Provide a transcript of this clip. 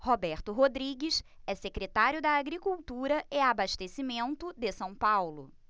roberto rodrigues é secretário da agricultura e abastecimento de são paulo